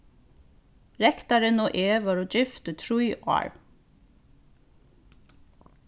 rektarin og eg vóru gift í trý ár